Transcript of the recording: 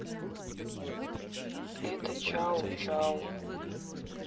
это чау чау